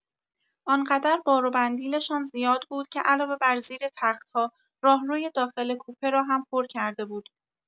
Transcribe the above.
آنقدر بار و بندیل‌شان زیاد بود که علاوه بر زیر تخت‌ها، راهروی داخل کوپه را هم پر کرده بود.